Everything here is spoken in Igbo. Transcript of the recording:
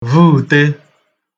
və̀ə̀te